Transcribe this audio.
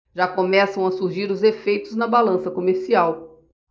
já começam a surgir os efeitos na balança comercial